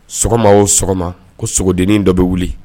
Sɔgɔma o sɔgɔma ko sogodennin dɔ be wuli